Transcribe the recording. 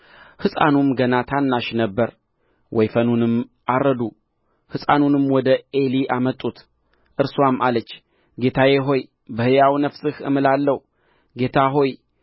ሕፃኑም ገና ታናሽ ነበረ ወይፈኑንም አረዱ ሕፃኑንም ወደ ዔሊ አመጡት እርስዋም አለች ጌታዬ ሆይ በሕያው ነፍስህ እምላለሁ ጌታ ሆይ